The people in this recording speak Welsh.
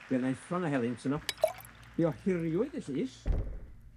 Buo 'na uffron o helynt yno, fe ohiriwyd y llys,